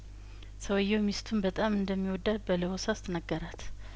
ሰውዬው ሚስቱን በጣም እንደሚወዳት በለሆሳስ ነገራት